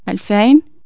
ألفين